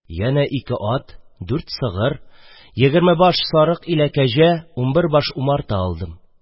Янә ике ат, дүрт сыгыр, егерме баш сарык илә кәҗә, унбер баш умарта алдым.